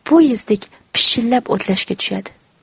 poyezddek pishillab o'tlashga tushadi